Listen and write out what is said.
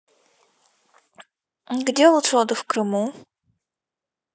где лучше отдых в крыму